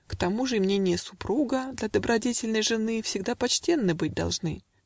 К тому ж и мнения супруга Для добродетельной жены Всегда почтенны быть должны